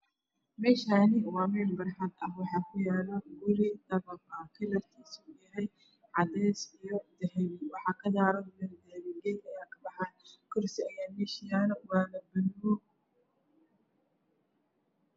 Me Shani wa meel bar xad ah waxa kuyalo guri dabaq ah kalar kisu uyahay cades iya dahadi nal dahabi ah geed ayaa kabaxayo gurdi ayaa mee sha yaalo wana balug